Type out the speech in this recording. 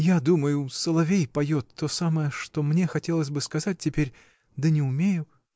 — Я думаю, соловей поет то самое, что мне хотелось бы сказать теперь, да не умею.